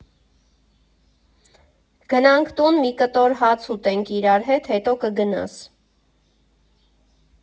Գնանք տուն, մի կտոր հաց ուտենք իրար հետ, հետո կգնաս։